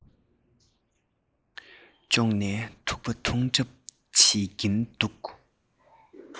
ཙོག ནས ཐུག པ འཐུང གྲབས བྱེད ཀྱིན འདུག